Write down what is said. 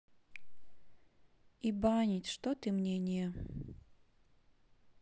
и банить что ты мне не